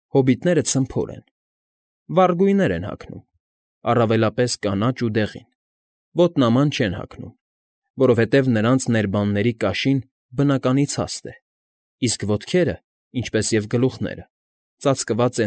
Հոբիտները ցմփոր են, վառ գույներ են հագնում՝ առավելապես կանաչ ու դեղին, ոտնաման չեն հագնում, որովհետև նրանց ներբանների կաշին բնականից հաստ է, իսկ ոտքերը, ինչպես և գլուխները, ծածկված։